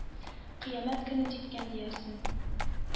Кыямәт көне җиткән диярсең.